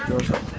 Diosone